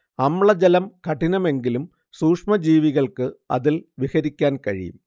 അമ്ലജലം കഠിനമെങ്കിലും സൂക്ഷ്മജീവികൾക്ക് അതിൽ വിഹരിക്കാൻ കഴിയും